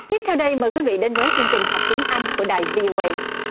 tiếp theo đây mời quý vị đến với chương trình học tiếng anh của đài vi ô ây